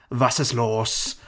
Was ist los?